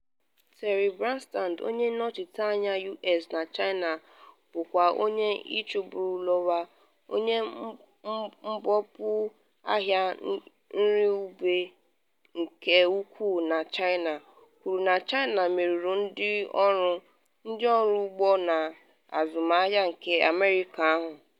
Terry Branstad, onye nnọchite anya U.S na China bụkwa onye chịburu Iowa, onye mbupu ahịa nri ubi nke ukwuu na China, kwuru na China merụrụ ndị ọrụ, ndị ọrụ ugbo na azụmahịa nke America ahụ.